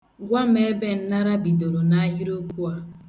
Gwa m ebe nnara bidoro n'ahịrịokwu a.